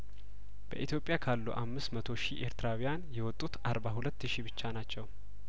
በኢትዮጵያ ካሉ አምስት መቶ ሺ ኤርትራውያን የወጡት አርባ ሁለት ሺ ብቻ ናቸው